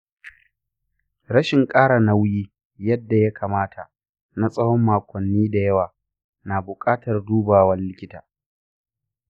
rashin ƙara nauyi yadda ya kamata na tsawon makonni da yawa na buƙatar dubawan likita.